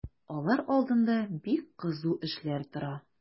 Алар алдында бик кызу эшләр тора.